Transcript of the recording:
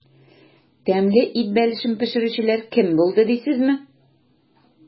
Тәмле ит бәлешен пешерүчеләр кем булды дисезме?